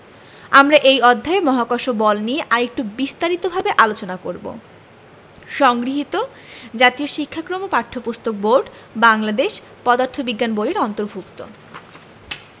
আমরা এই অধ্যায়ে মহাকর্ষ বল নিয়ে আরেকটু বিস্তারিতভাবে আলোচনা করব সংগৃহীত জাতীয় শিক্ষাক্রম ও পাঠ্যপুস্তক বোর্ড বাংলাদেশ পদার্থ বিজ্ঞান বই এর অন্তর্ভুক্ত